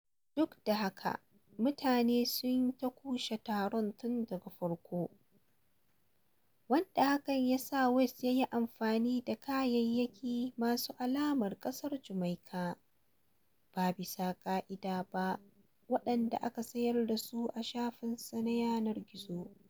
Duk da haka, mutane sun yi ta kushe taron tun daga farko, wanda hakan ya sa West ya yi amfani da kayayyaki masu alamar ƙasar Jamaikan ba bisa ƙa'ida ba waɗanda aka sayar da su a shafinsa na yanar gizo.